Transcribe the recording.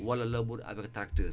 wala labour avec tracteur